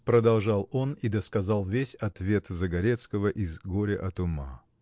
– продолжал он и досказал весь ответ Загорецкого из Горе от ума.